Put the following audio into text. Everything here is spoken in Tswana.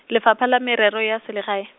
Lefapha la Merero ya Selegae.